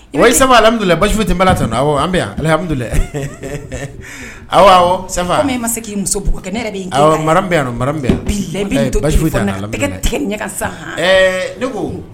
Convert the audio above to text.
O samidula basisufu tɛbalahamidu aw san an ma se' i musofu sa ne